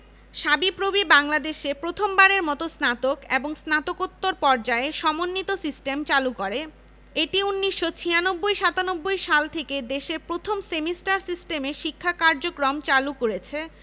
সাবিপ্রবি বাংলাদেশে প্রথম বারের মতো স্নাতক এবং স্নাতকোত্তর পর্যায়ে সমন্বিত সিস্টেম চালু করে এটি ১৯৯৬ ৯৭ সাল থেকে দেশের প্রথম সেমিস্টার সিস্টেমে শিক্ষা কার্যক্রম চালু করেছে